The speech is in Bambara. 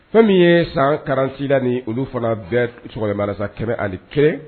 Fɛn min ye sankarasi la ni olu fana bɛɛ sogobasap ani kɛ